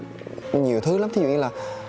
nhiều thứ lắm thí dụ như là